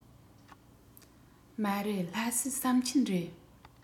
མ རེད ལྷ སའི ཟམ ཆེན རེད